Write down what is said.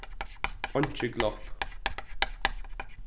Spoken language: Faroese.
einki glopp